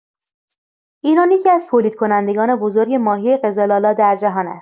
ایران یکی‌از تولیدکنندگان بزرگ ماهی قزل‌آلا در جهان است.